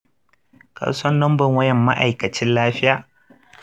ka san lambar wayar ma’aikacin lafiya?